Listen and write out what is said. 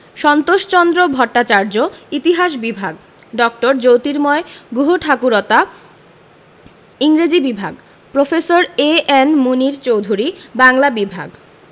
সন্তোষচন্দ্র ভট্টাচার্য ইতিহাস বিভাগ ড. জ্যোতির্ময় গুহঠাকুরতা ইংরেজি বিভাগ প্রফেসর এ.এন মুনীর চৌধুরী বাংলা বিভাগ